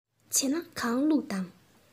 བྱས ན གང བླུགས དང